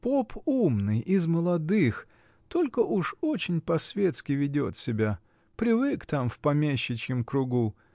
Поп умный, из молодых, — только уж очень по-светски ведет себя: привык там в помещичьем кругу.